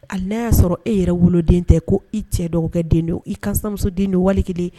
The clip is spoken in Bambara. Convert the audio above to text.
A na y'a sɔrɔ e yɛrɛ woloden tɛ ko i cɛ dɔgɔkɛ den don i kasamuso den don wali kelen